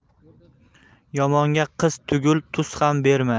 yomonga qiz tugul tuz ham berma